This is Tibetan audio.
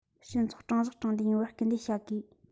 སྤྱི ཚོགས དྲང གཞག དྲང བདེན ཡོང བར སྐུལ སྤེལ བྱ དགོས